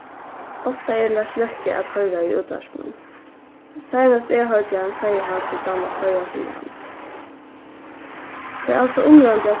ofta er lars løkke at hoyra í útvarpinum seinast eg hoyrdi hann segði hann seg dáma føroyar sum land tað er altso umráðandi at